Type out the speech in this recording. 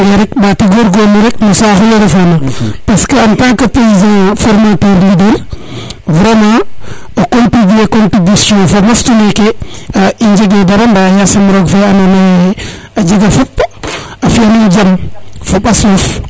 leya nge rek mbati goor goorlu rek no saax le refo na parce que en tant que paysan formateur leaders vraiment o contribuer contribution fa mostu neke a i njege dara a yasm roog fe ando naye a jega fop a yiya nong jam fo ɓas lof